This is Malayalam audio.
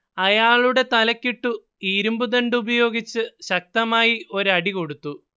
അയാളുടെ തലക്കിട്ടു ഇരുമ്പ്ദണ്ഡ് ഉപയോഗിച്ച് ശക്തമായി ഒരടി കൊടുത്തു